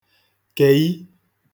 kèi